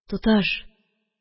Туташ